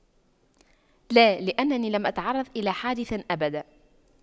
لا لأنني لم أتعرض إلى حادث أبدا